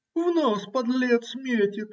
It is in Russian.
- В нас подлец метит!